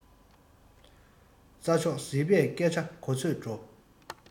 རྩ མཆོག ཟིལ པས སྐད ཆ གོ ཚོད འགྲོ